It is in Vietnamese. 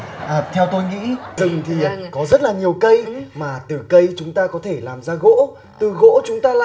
theo tôi nghĩ rừng thì có rất là nhiều cây mà từ cây chúng ta có thể làm ra gỗ từ gỗ chúng ta lại